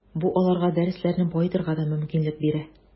Бу аларга дәресләрне баетырга да мөмкинлек бирә.